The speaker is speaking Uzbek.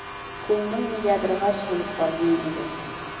ko'nglim negadir g'ash bo'lib qolgan edi